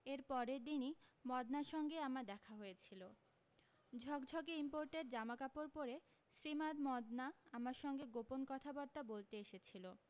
এর পরের দিনি মদনার সঙ্গে আমার দেখা হয়েছিলো ঝকঝকে ইম্পোরটেড জামাকাপড় পরে শ্রীমান মদনা আমার সঙ্গে গোপন কথাবার্তা বলতে এসেছিল